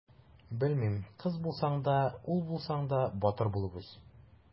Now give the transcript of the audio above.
Белмим: кыз булсаң да, ул булсаң да, батыр булып үс!